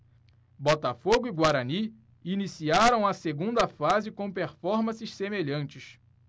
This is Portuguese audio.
botafogo e guarani iniciaram a segunda fase com performances semelhantes